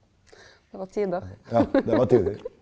det var tider .